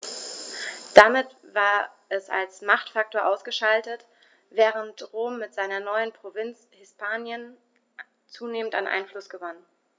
Damit war es als Machtfaktor ausgeschaltet, während Rom mit seiner neuen Provinz Hispanien zunehmend an Einfluss gewann.